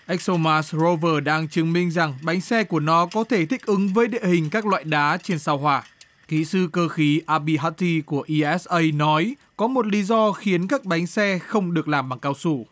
ách xô ma rô vờ đang chứng minh rằng bánh xe của nó có thể thích ứng với địa hình các loại đá trên sao hỏa kỹ sư cơ khí a bi hắc ti của i ét ây nói có một lý do khiến các bánh xe không được làm bằng cao su